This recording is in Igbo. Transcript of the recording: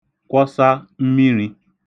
kwọsa mmirī